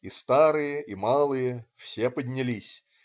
И старые и малые все поднялись.